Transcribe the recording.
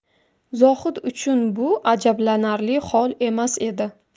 zohid uchun bu ajablanarli hol emas edi